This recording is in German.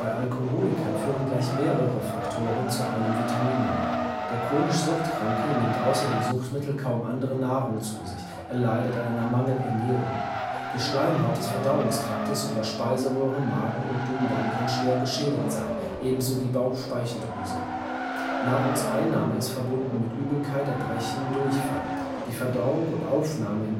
Alkoholikern führen gleich mehrere Faktoren zu einem Vitaminmangel. Der chronisch Suchtkranke nimmt außer dem Suchtmittel kaum andere Nahrung zu sich, er leidet an einer Mangelernährung. Die Schleimhaut des Verdauungstraktes über Speiseröhre, Magen und Dünndarm kann schwer geschädigt sein, ebenso die Bauchspeicheldrüse. Nahrungseinnahme ist verbunden mit Übelkeit, Erbrechen, Durchfall. Die Verdauung und Aufnahme